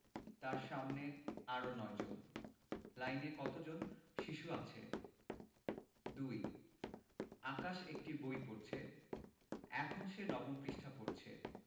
তার সামনে আরও ৯ জন লাইনে কত জন শিশু আছে ২ আকাশ একটি বই পড়ছে এখন সে নবম পৃষ্ঠা পড়ছে